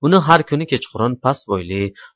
uni har kun kechqurun past bo'yli